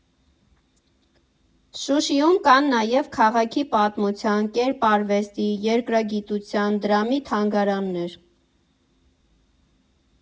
Շուշիում կան նաև քաղաքի պատմության, կերպարվեստի, երկրագիտության, դրամի թանգարաններ։